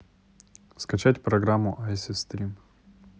скачать программу айси стрим